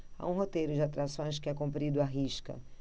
há um roteiro de atrações que é cumprido à risca